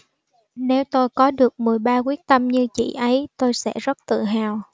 nếu tôi có được mười ba quyết tâm như chị ấy tôi sẽ rất tự hào